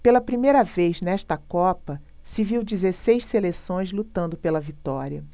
pela primeira vez nesta copa se viu dezesseis seleções lutando pela vitória